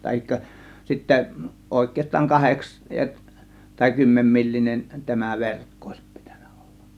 tai sitten oikeastaan kahdeksan tai kymmenenmillinen tämä verkko olisi pitänyt olla